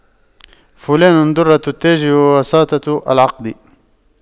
فلان دُرَّةُ التاج وواسطة العقد